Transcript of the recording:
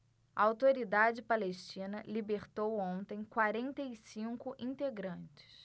a autoridade palestina libertou ontem quarenta e cinco integrantes